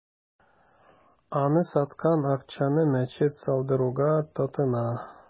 Аны саткан акчаны мәчет салдыруга тотына.